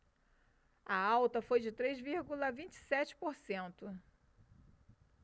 a alta foi de três vírgula vinte e sete por cento